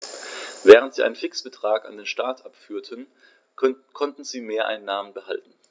Während sie einen Fixbetrag an den Staat abführten, konnten sie Mehreinnahmen behalten.